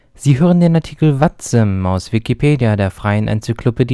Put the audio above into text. Sie hören den Artikel VATSIM, aus Wikipedia, der freien Enzyklopädie